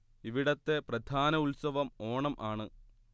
ഇവിടത്തെ പ്രധാന ഉത്സവം ഓണം ആണ്